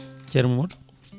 ceerno Mamadou